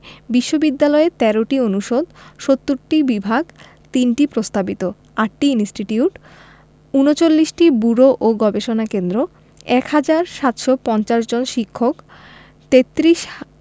বিশ্ববিদ্যালয়ে ১৩টি অনুষদ ৭০টি বিভাগ ৩টি প্রস্তাবিত ৮টি ইনস্টিটিউট ৩৯টি ব্যুরো ও গবেষণা কেন্দ্র ১ হাজার ৭৫০ জন শিক্ষক ৩৩